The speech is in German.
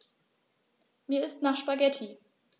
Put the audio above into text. Mir ist nach Spaghetti.